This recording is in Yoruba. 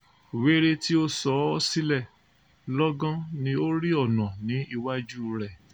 Wéré tí ó sọ ọ́ sílẹ̀, logan ni ó rí ọ̀nà ní iwájúu rẹ̀.